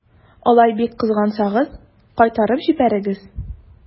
Алай бик кызгансагыз, кайтарып җибәрегез.